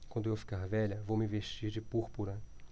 quando eu ficar velha vou me vestir de púrpura